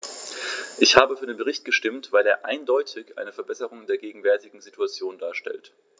Ich habe für den Bericht gestimmt, weil er eindeutig eine Verbesserung der gegenwärtigen Situation darstellt.